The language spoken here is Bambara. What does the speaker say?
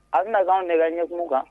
A bɛna kɛ anw de ka ɲɛ kumu kan